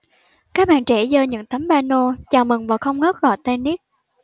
các bạn trẻ giơ những tấm pano chào mừng và không ngớt gọi tên nick